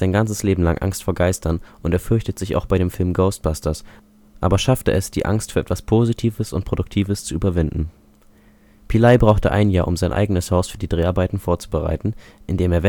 ganzes Leben lang Angst vor Geistern und er fürchtet sich auch bei dem Film Ghostbusters, aber schaffte es, die Angst für etwas Positives und Produktives zu überwinden. Peli brauchte ein Jahr, um sein eigenes Haus für die Dreharbeiten vorzubereiten, indem er